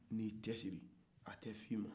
n'i y'i cɛsiri a tɛ fɔ i ma